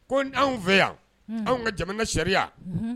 Ko anw fɛ yan anw ka jamana ka sariyaya